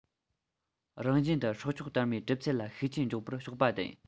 རང བཞིན དུ སྲོག ཆགས དར མའི གྲུབ ཚུལ ལ ཤུགས རྐྱེན འཇོག པར ཕྱོགས པ དེ ཡིན